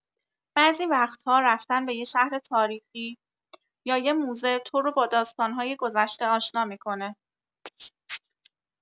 بعضی وقت‌ها رفتن به یه شهر تاریخی یا یه موزه، تو رو با داستان‌های گذشته آشنا می‌کنه.